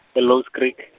e- Louws Creek.